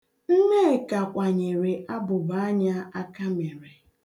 Nneka kwanyere abụbaanya akamere.